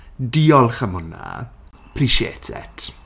Diolch am hwnna. Appreciate it.